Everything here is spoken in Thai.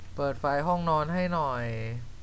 เปิดไฟห้องนอนให้หน่อย